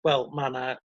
wel ma' 'na